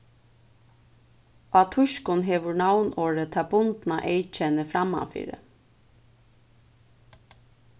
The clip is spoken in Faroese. á týskum hevur navnorðið tað bundna eyðkennið frammanfyri